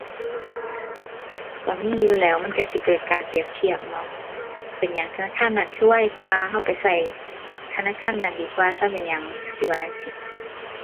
ก็มีอยู่แหล้ว มันก็สิเกิดการเปรียบเทียบเนาะ เป็นหยังธนาคารนั้นคือไวกว่า ก็ไปก็ธนาคารนั้นดีกว่าซะเป็นหยัง ก็สิว่าจั่งซี้